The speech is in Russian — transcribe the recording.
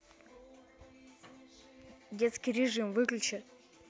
детский режим выключи